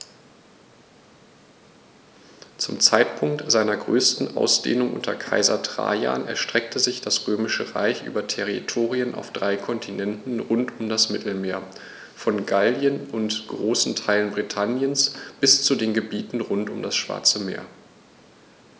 Zum Zeitpunkt seiner größten Ausdehnung unter Kaiser Trajan erstreckte sich das Römische Reich über Territorien auf drei Kontinenten rund um das Mittelmeer: Von Gallien und großen Teilen Britanniens bis zu den Gebieten rund um das Schwarze Meer.